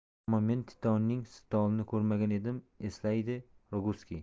ammo men titoning stolini ko'rmagan edim eslaydi roguski